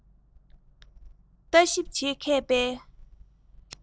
ཅུང མི འདྲ བའི ཡི གེ ལ